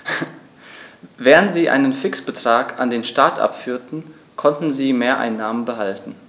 Während sie einen Fixbetrag an den Staat abführten, konnten sie Mehreinnahmen behalten.